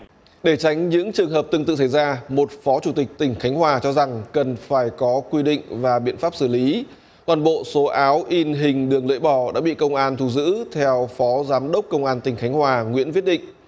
để tránh những trường hợp tương tự xảy ra một phó chủ tịch tỉnh khánh hòa cho rằng cần phải có quy định và biện pháp xử lý toàn bộ số áo in hình đường lưỡi bò đã bị công an thu giữ theo phó giám đốc công an tỉnh khánh hòa nguyễn viết định